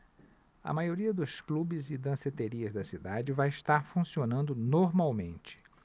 a maioria dos clubes e danceterias da cidade vai estar funcionando normalmente